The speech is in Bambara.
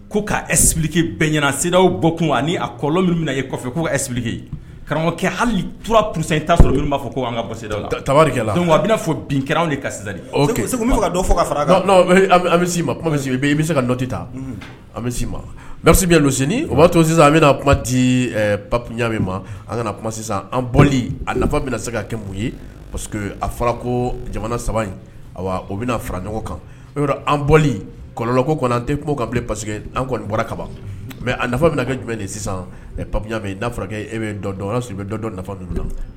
Ko' bɛn seda bɔ kun ani kɔ minnu e koki karamɔgɔkɛ haliura tun'a fɔ tari fɔ bin kɛra segu i bɛ se ka nɔtɛ ta an mɛ o b'a to sisan bɛna kuma di pa an kana a nafa se kɛ mun ye pa a ko jamana saba in o bɛ fara ɲɔgɔn kan an kɔlɔnlɔ ko tɛ paseke an bɔra ka mɛ an nafa kɛ jumɛn e bɛ dɔn dɔ nafa